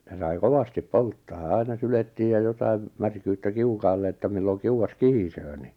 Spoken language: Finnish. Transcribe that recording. ja sai kovasti polttaa aina syljettiin ja jotakin märkyyttä kiukaalle että milloin kiuas kihisee niin